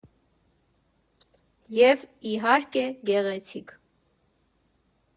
Եվ, իհարկե, գեղեցիկ։